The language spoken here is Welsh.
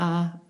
a